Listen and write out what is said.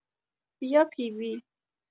بیا پی وی